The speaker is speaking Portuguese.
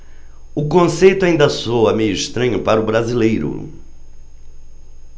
o conceito ainda soa meio estranho para o brasileiro